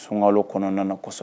Sunka kɔnɔna nana kɔ kosɛbɛ